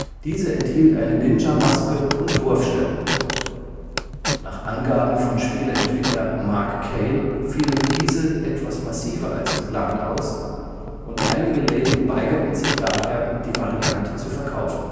Diese enthielt eine Ninja-Maske und Wurfsterne. Nach Angaben von Spieleentwickler Mark Cale fielen diese etwas massiver als geplant aus und einige Läden weigerten sich daher die Variante zu verkaufen